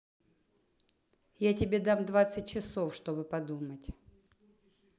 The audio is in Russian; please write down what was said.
я тебе дам двадцать часов чтобы подумать